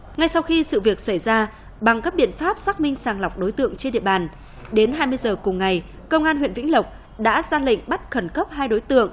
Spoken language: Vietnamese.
ngay sau khi sự việc xảy ra bằng các biện pháp xác minh sàng lọc đối tượng trên địa bàn đến hai mươi giờ cùng ngày công an huyện vĩnh lộc đã ra lệnh bắt khẩn cấp hai đối tượng